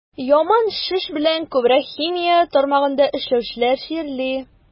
Яман шеш белән күбрәк химия тармагында эшләүчеләр чирли.